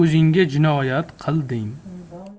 o'zingga jinoyat qilding